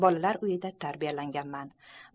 bolalar uyida tarbiyalanganman